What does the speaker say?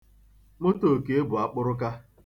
Moto Okey bụ akpụrụka.